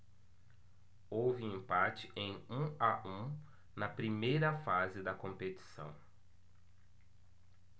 houve empate em um a um na primeira fase da competição